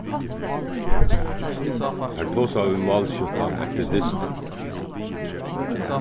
teir tosaðu við málskjúttan eftir dystin